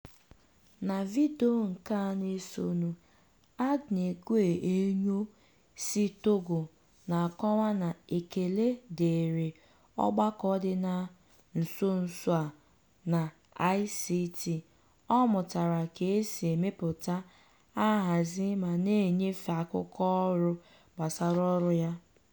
Na vidiyo nke a na-esonu, Agnegue Enyo si Togo na-akọwa na ekele dịrị ọgbakọ dị na nso nso a na ICT, ọ mụtara ka e si emepụta, ahazi ma na-enyefe akụkọ ọrụ gbasara ọrụ ya.